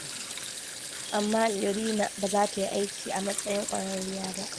Amma Irina ba za ta yi aiki a matsayin ƙwararriya ba.